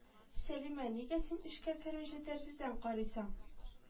Сәлимә нигә син эчкә кермичә тәрәзәдән карыйсың